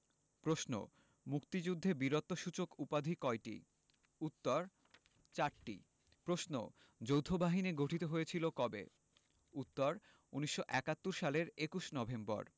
প্রশ্ন মুক্তিযুদ্ধে বীরত্বসূচক উপাধি কয়টি উত্তর চারটি প্রশ্ন যৌথবাহিনী গঠিত হয়েছিল কবে উত্তর ১৯৭১ সালের ২১ নভেম্বর